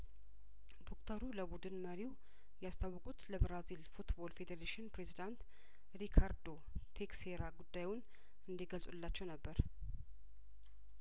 ዶክተሩ ለቡድን መሪው ያስታወቁት ለብራዚል ፉትቦል ፌዴሬሽን ፕሬዚዳንት ሪካርዶ ቴክሴራ ጉዳዩን እንዲገልጹላቸው ነበር